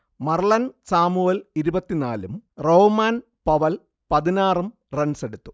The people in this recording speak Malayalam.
മർലൻ സാമുവേൽ ഇരുപത്തിനാലും റോവ്മാൻ പവൽ പതിനാറും റൺസെടുത്തു